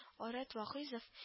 Хоккейчысы айрат вәгыйзов